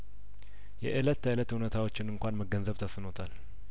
የእለት ተእለት እውነታዎችን እንኳን መገንዘብ ተስኖታል